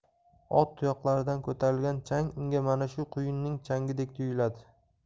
ot tuyoqlaridan ko'tarilgan chang unga mana shu quyunning changidek tuyuladi